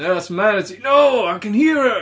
No it's a manatee. No I can hear her!